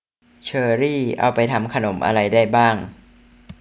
เชอร์รี่เอาไปทำขนมอะไรได้บ้าง